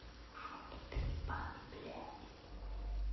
урод ты ебаный блядь